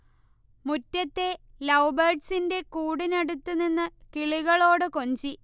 മുറ്റത്തെ ലൗബേഡ്സിന്റെ കൂടിനടുത്ത് നിന്ന് കിളികളോട് കൊഞ്ചി